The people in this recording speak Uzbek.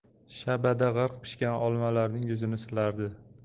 shabada g'arq pishgan olmalarning yuzini silardi